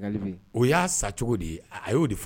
Y'a cogo a y'